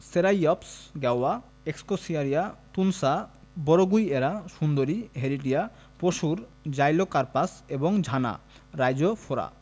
সেরাইয়প্স গেওয়া এক্সকোসিয়ারিয়া তুনশা ব্রুগুইএরা সুন্দরী হেরিটিরা পশুর জাইলোকারপাস এবং ঝানা রাইজোফোরা